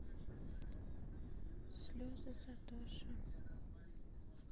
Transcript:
слезы сатоши